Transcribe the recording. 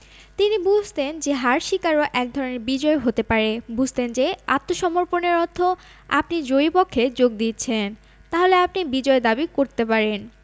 তিনি বুঝতেন যে হার স্বীকারও একধরনের বিজয় হতে পারে বুঝতেন যে আত্মসমর্পণের অর্থ আপনি জয়ী পক্ষে যোগ দিচ্ছেন তাহলে আপনি বিজয় দাবি করতে পারেন